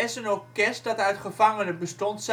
SS een orkest dat uit gevangenen bestond